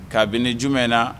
Kabini jumɛn na